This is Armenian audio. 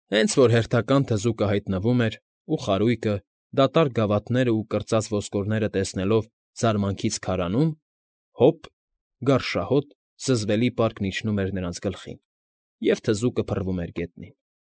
Հենց որ հերթական թզուկը հայտնվում էր ու խարույկը, դատարկ գավաթներն ու կրծած ոսկորները տեսնելով զարմանքից քարանում՝ հոպ, գարշահոտ, զզվելի պարկն իջնում էր նրա գլխին, և թզուկը փռվում էր գետնին։